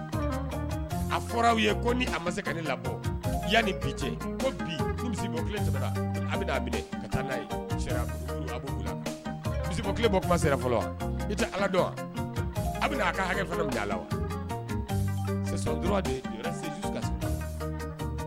A fɔra ye se ka lamɔbɔ yan nibobo bɔ fɔlɔ i tɛ ala dɔn a ka hakɛ la wa